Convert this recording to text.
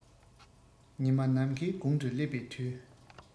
ཉི མ ནམ མཁའི དགུང དུ སླེབས པའི དུས